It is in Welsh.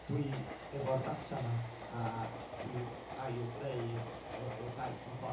Dwi efo'r data 'ma a dwi'n ail-greu'r y y daith mewn ffordd,